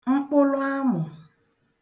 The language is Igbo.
mkpụlụamụ̀